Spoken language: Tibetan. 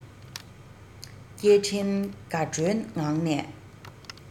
སྐད འཕྲིན དགའ སྤྲོའི ངང ནས